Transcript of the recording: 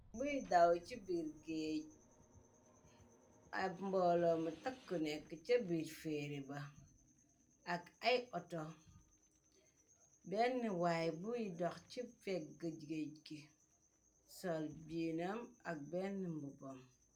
Mui daw ci bir géej ab mboolomu takku nekk ca biir feeri ba ak ay outo benn waaye buy dox ci pegg jgéej gi sol jinam ak benn mbubom.